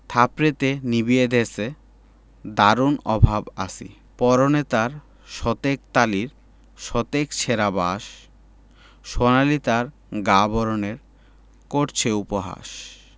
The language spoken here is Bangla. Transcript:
থাপড়েতে নিবিয়ে দেছে দারুণ অভাব আসি পরনে তার শতেক তালির শতেক ছেঁড়া বাস সোনালি তার গা বরণের করছে উপহাস